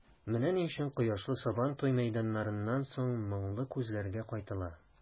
Менә ни өчен кояшлы Сабантуй мәйданнарыннан соң моңлы күзләргә кайтыла.